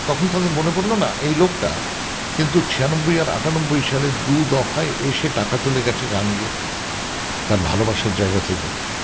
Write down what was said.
তখন তাদের মনে পড়ল না এই লোকটা কিন্তু 96 আর 98 সালে দু'দফা এসে টাকা তুলে গেছে গান গেয়ে তার ভালোবাসার জায়গা থেকে